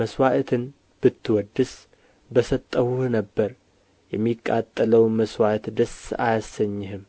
መሥዋዕትን ብትወድድስ በሰጠሁህ ነበር የሚቃጠለውም መሥዋዕት ደስ አያሰኝህም